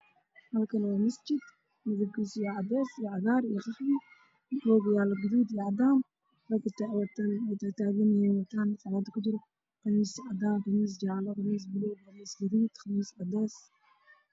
Halkaan waa masjid midabkiisa wa cadees